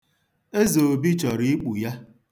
Ezeobi chọrọ ikpu ya.